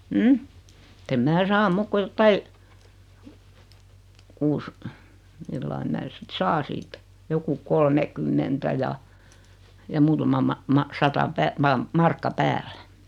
että en minä saa muuta kuin jotakin kuusi millä lailla minä sitten saan siitä joku kolmekymmentä ja ja muutama -- sata -- markka päälle